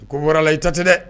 Ko bɔra la i ta tɛ dɛ